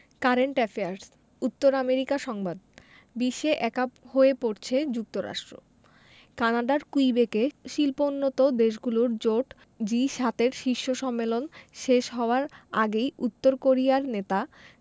current affairs উত্তর America সংবাদ বিশ্বে একা হয়ে পড়ছে যুক্তরাষ্ট্র কানাডার কুইবেকে শিল্পোন্নত দেশগুলোর জোট জি ৭ এর শীর্ষ সম্মেলন শেষ হওয়ার আগেই উত্তর কোরিয়ার নেতা